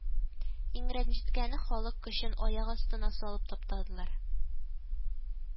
Иң рәнҗеткәне халык көчен аяк астына салып таптадылар